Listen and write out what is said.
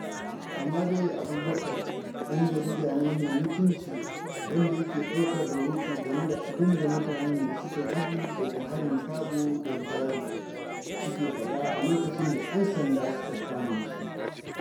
Amade Abubacar ɗan jarida ne mai mutumci wanda yake ɗaukar rahoto game da abin da mutanen da suka gudu daga harin Cabo Delgado suke faɗa a lokacin da 'yan sanda suka kama shi.